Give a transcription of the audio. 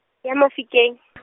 ya Mafikeng .